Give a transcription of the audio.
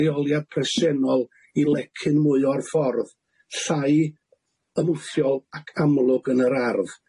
leoliad presennol i lecyn mwy o'r ffordd llai ymwthiol ac amlwg yn yr ardd.